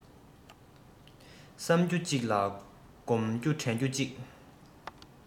བསམ རྒྱུ གཅིག ལ བསྒོམ རྒྱུ དྲན རྒྱུ གཅིག